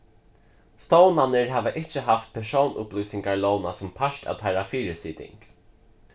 stovnarnir hava ikki havt persónsupplýsingarlógina sum part av teirra fyrisiting